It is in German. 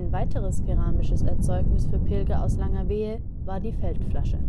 weiteres keramisches Erzeugnis für Pilger aus Langerwehe war die Feldflasche